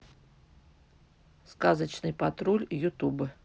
сказочный патруль ютуб